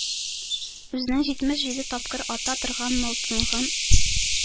Үзенең җитмеш җиде тапкыр ата торган мылтыгын